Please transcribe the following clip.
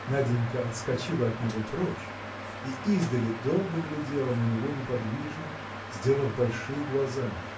Наденька отскочила от него прочь и издали долго глядела на него неподвижно сделав большие глаза